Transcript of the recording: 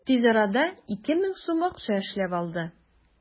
Тиз арада 2000 сум акча эшләп алды.